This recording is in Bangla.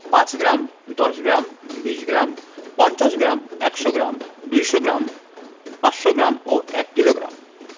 ৫ গ্রাম ১০গ্ৰাম ২০ gram ৫০ gram ১০০ gram ২০০ gram ৫০০ gram ও ১ কিলোগ্রাম